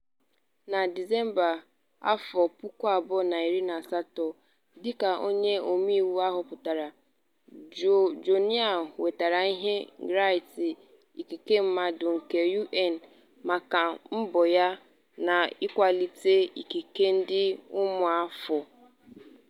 Na Disemba afọ 2018, dịka onye omeiwu a họpụtara, Joenia nwetara ihe nrite ikike mmadụ nke UN maka mbọ ya n'ịkwalite ikike ndị ụmụafọ.